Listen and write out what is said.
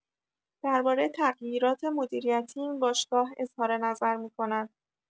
درباره تغییرات مدیریتی این باشگاه اظهارنظر می‌کند.